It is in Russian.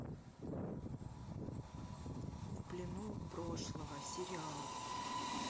в плену у прошлого сериал